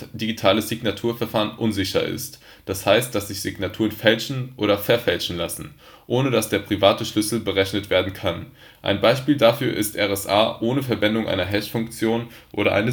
digitales Signaturverfahren unsicher ist (d. h. dass sich Signaturen fälschen oder verfälschen lassen), ohne dass der private Schlüssel berechnet werden kann. Ein Beispiel dafür ist RSA ohne Verwendung einer Hashfunktion oder